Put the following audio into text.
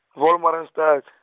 Wolmaranstad.